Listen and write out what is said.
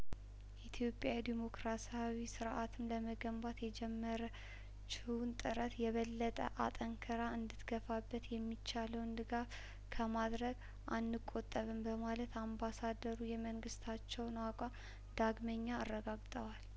ኢትዮጵያ ዴሞክራሳዊ ስርአትን ለመገንባት የጀመረችውን ጥረት የበለጠ አጠንክራ እንድት ገፋበት የሚቻለውን ድጋፍ ከማድረግ አንቆጠብም በማለት አምባሳደሩ የመንግስታቸውን አቋም ዳግመኛ አረጋግጠዋል